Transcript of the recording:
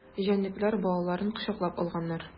Җәнлекләр балаларын кочаклап алганнар.